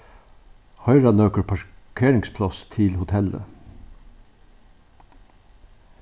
hoyra nøkur parkeringspláss til hotellið